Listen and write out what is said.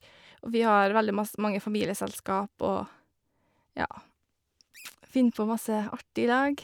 Og vi har veldig mass mange familieselskap, og ja, finner på masse artig i lag.